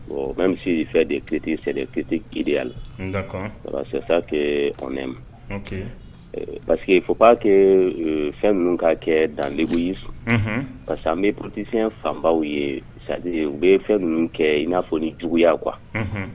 Bɛ misi se fɛ detete kiya la kɛɛ ma parce que fo'a kɛ fɛn minnu kaa kɛ danbe ye sun parce que n bɛ ptesiyɛn fanbaww ye u bɛ fɛn minnu kɛ i n'afɔ ni juguyaya qu